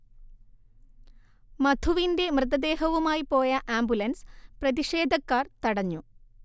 മധുവിന്റെ മൃതദേഹവുമായി പോയ ആംബുലൻസ് പ്രതിഷേധക്കാർ തടഞ്ഞു